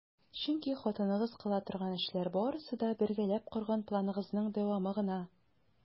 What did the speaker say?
Чөнки хатыныгыз кыла торган эшләр барысы да - бергәләп корган планыгызның дәвамы гына!